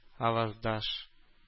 Аваздаш